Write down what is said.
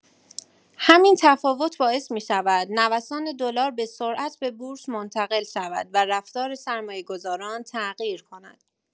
همین تفاوت باعث می‌شود نوسان دلار به‌سرعت به بورس منتقل شود و رفتار سرمایه‌گذاران تغییر کند.